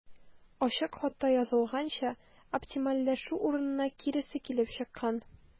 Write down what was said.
Ачык хатта язылганча, оптимальләшү урынына киресе килеп чыккан.